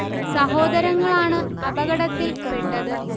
സഹോദരങ്ങളാണ് അപകടത്തിൽ പെട്ടത്